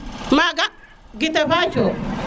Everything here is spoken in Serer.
maga gita faco